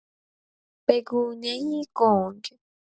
به‌گونه‌ای گنگ